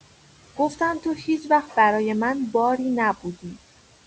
گفتم تو هیچ‌وقت برای من باری نبودی.